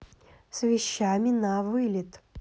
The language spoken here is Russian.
с вещами на вылет